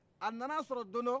a nana sɔrɔ don dɔ